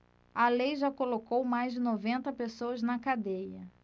a lei já colocou mais de noventa pessoas na cadeia